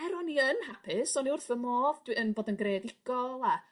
... Er o'n i yn hapus o'n i wrth fy modd dw- yn bod yn greadigol a...